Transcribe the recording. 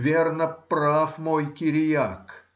верно, прав мой Кириак